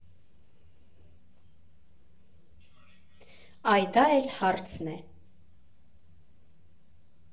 ֊Այ դա էլ հարցն է։